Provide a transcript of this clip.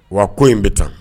Wa ko in bɛ tan.